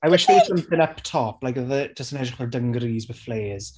I wish there was something up top, like oedd e jyst yn edrych fel dungarees with flares.